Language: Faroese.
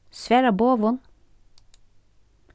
svara boðum